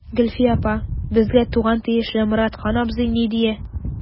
Гөлфия апа, безгә туган тиешле Моратхан абзый ни дия.